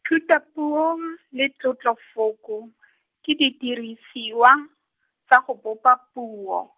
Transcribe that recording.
thutapuo, le tlotlofoko, ke di didirisiwa, tsa go bopa puo.